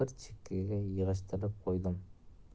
bir chekkaga yig'ishtirib qo'ydim